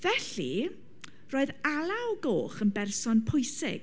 Felly, roedd Alaw Goch yn berson pwysig.